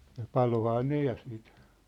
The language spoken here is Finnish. ja paloihan ne ja sitten